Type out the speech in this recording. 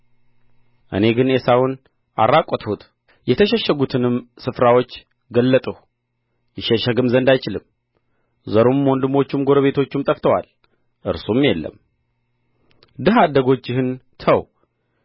እኔ ግን ዔሳውን ዐራቈትሁት የተሸሸጉትንም ስፍራዎች ገለጥሁ ይሸሸግም ዘንድ አይችልም ዘሩም ወንድሞቹም ጎረቤቶቹም ጠፍተዋል እርሱም የለም ድሀ አደጎችህን ተው